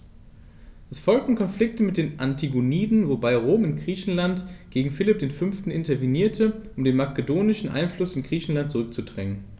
Es folgten Konflikte mit den Antigoniden, wobei Rom in Griechenland gegen Philipp V. intervenierte, um den makedonischen Einfluss in Griechenland zurückzudrängen.